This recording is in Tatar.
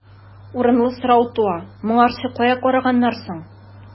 Урынлы сорау туа: моңарчы кая караганнар соң?